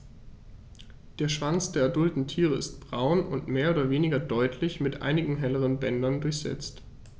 Der Schwanz der adulten Tiere ist braun und mehr oder weniger deutlich mit einigen helleren Bändern durchsetzt.